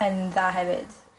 Yn dda hefyd.